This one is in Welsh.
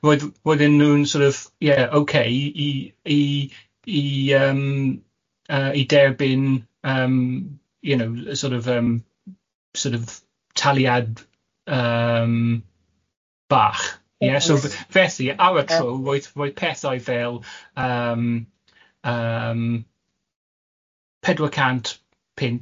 Roed roedyn nhw'n sort of ie ok i i i yym yy i derbyn yym you know sort of yym sort of taliad yym bach, ie so felly ar y tro roedd roedd pethau fel yym yym pedwar cant punt,